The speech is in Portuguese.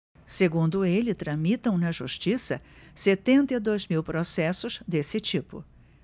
segundo ele tramitam na justiça setenta e dois mil processos desse tipo